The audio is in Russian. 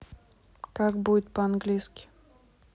как будет по английски